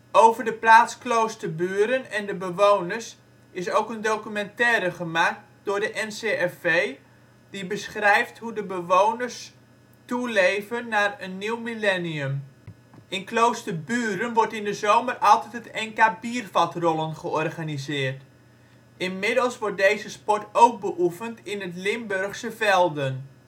Over de plaats Kloosterburen en de bewoners is ook een documentaire gemaakt door de NCRV, die beschrijft hoe de bewoners toe leven naar een nieuw millennium. In Kloosterburen wordt in de zomer altijd het NK Biervatrollen georganiseerd. Inmiddels wordt deze sport ook beoefend in het Limburgse Velden